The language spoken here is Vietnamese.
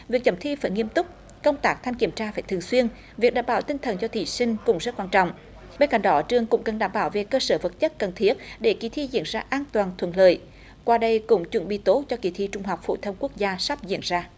việc chấm thi phải nghiêm túc công tác thanh kiểm tra phải thường xuyên việc đảm bảo tinh thần cho thí sinh cũng rất quan trọng bên cạnh đó trường cũng cần đảm bảo về cơ sở vật chất cần thiết để kỳ thi diễn ra an toàn thuận lợi qua đây cũng chuẩn bị tốt cho kỳ thi trung học phổ thông quốc gia sắp diễn ra